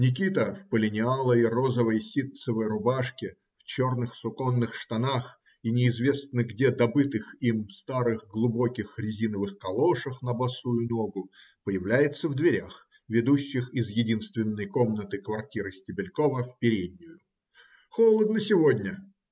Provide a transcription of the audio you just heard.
Никита, в полинялой розовой ситцевой рубашке, в черных суконных штанах и неизвестно где добытых им старых глубоких резиновых калошах на босую ногу, появляется в дверях, ведущих из единственной комнаты квартиры Стебелькова в переднюю. - Холодно сегодня?